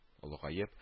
Олыгаеп